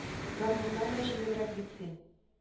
Гармуннан да җиңелрәк бит син